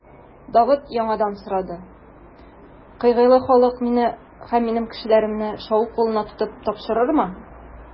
Давыт яңадан сорады: Кыгыйлә халкы мине һәм минем кешеләремне Шаул кулына тотып тапшырырмы?